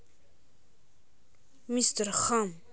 мистер хам